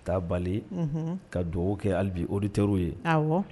Kaa bali ka dugaw kɛ alibi odi terir ye